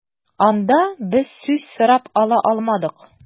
Анда без сүз сорап ала алмадык.